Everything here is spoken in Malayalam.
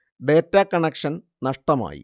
ഡാറ്റ കണക്ഷൻ നഷ്ടമായി